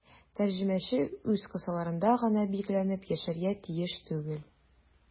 Тәрҗемәче үз кысаларында гына бикләнеп яшәргә тиеш түгел.